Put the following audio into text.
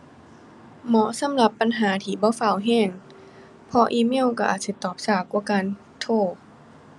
เหมาะสำหรับปัญหาที่บ่ฟ้าวแรง เพราะอีเมลแรงอาจสิตอบช้ากว่าการโทร